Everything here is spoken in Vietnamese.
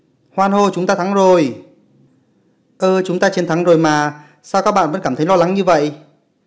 hoan hô chúng ta thắng rồi ơ chúng ta thắng rồi mà sao các bạn vẫn cảm thấy lo lắng như vậy